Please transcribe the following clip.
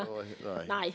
nei.